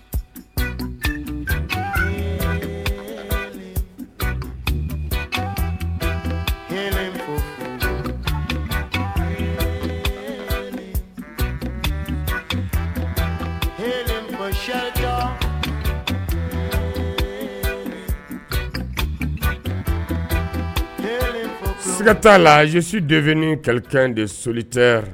Siga t'a la sisi def kali kɛ in de soli tɛ